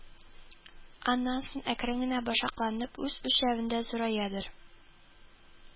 Аннан соң, әкрен генә башакланып, үз үлчәвендә зураядыр